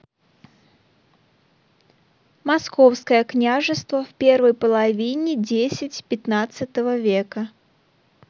московское княжество в первой половине десять пятнадцатого века